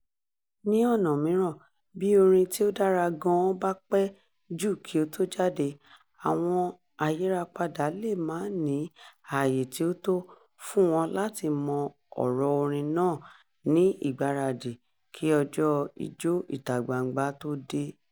Ní ọ̀nà mìíràn, bí orin tí ó dára gan-an bá pẹ́ jù kí ó tó jáde, àwọn ayírapadà lè máà ní àyè tí ó tó fún wọn láti mọ ọ̀rọ̀ orin náà ní ìgbáradì kí ọjọ́ Ijó ìta-gbangba ó tó dé.